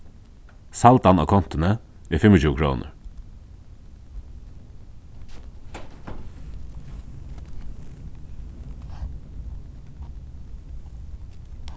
saldan á kontuni er fimmogtjúgu krónur